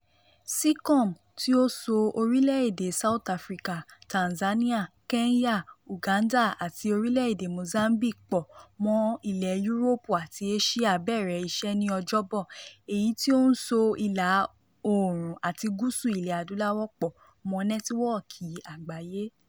Seacom, tí ó so orílẹ̀ èdè South Africa, Tanzania, Kenya, Uganda àti orílẹ̀ èdè Mozambique pọ̀ mọ́ Ilẹ̀ Yúróòpù àti Éṣíà, bẹ̀rẹ̀ iṣẹ́ ní Ọjọ́bọ̀, èyí tí ó ń so ìlà oòrùn àti gúúsù Ilẹ̀ Adúláwò pọ̀ mọ́ nẹ́tíwọ́ọ̀kì àgbáyé.